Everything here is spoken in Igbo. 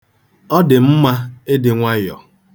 Ọ dị mma ịdị nwayọ.